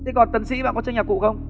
thế còn tấn sĩ bạn có chơi nhạc cụ không